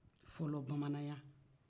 fɔlɔ bamananya